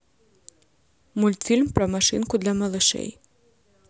мультфильм про машинку для малышей